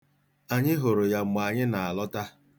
Anyị hụrụ ya mgbe anyị na-alọta.